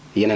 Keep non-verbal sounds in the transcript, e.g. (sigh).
(hesitation) (hesitation)